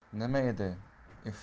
nima edi iftordan